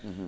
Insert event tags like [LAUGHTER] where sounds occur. [HESITATION] [HESITATION]